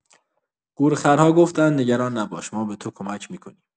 گورخرها گفتند: نگران نباش، ما به تو کمک می‌کنیم.